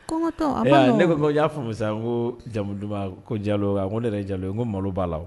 Kɔnkɔtɔ a nɔgɔ. E ayi, ne ko ko n y'a faamu sa,n ko jamu duman? Ko jalo ko Jalo.Aa ko ne yɛrɛ ye jalo ye, ko malo b'a la.